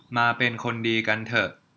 มาเป็นคนดีกันเถอะ